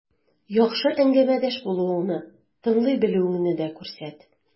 Яхшы әңгәмәдәш булуыңны, тыңлый белүеңне дә күрсәт.